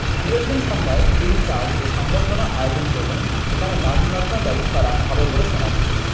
বিয়ের দিন সন্ধ্যায় প্রিন্স চার্লস যে সংবর্ধনার আয়োজন করবেন সেখানে গানবাজনার ব্যবস্থা রাখা হবে বলে শোনা গেছে